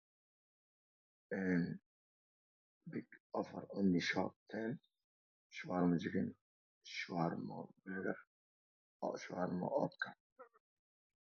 Meeshani waxaa iga muuqdo meel hada la dhisayo oo Caro ku dhex shuban thay alwaax lagu bilabayo